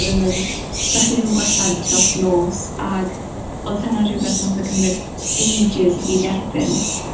ddim yn... 'Dach chi ddim yn gwella dros nos, ag odd hynna rhwbeth nath o cymryd ages i fi i dderbyn.